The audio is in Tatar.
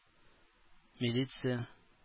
Милиция